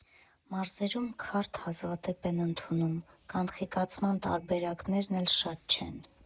Մարզերում քարտ հազվադեպ են ընդունում, կանխիկացման տարբերակներն էլ շատ չեն։